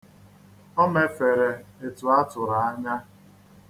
O mefere etu a tụrụ anya.